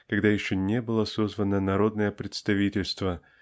когда еще не было созвано народное представительство